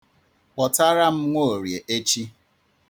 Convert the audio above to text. Kpọtara m Nwoorie echi.